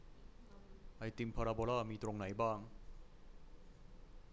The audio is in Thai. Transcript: ไอติมพาราโบลามีตรงไหนบ้าง